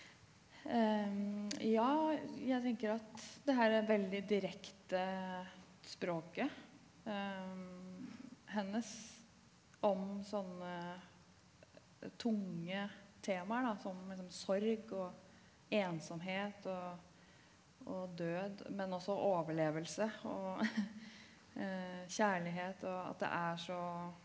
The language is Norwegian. ja jeg tenker at det herre veldig direkte språket hennes om sånne tunge temaer da som liksom sorg og ensomhet og og død men også overlevelse og kjærlighet og at det er så.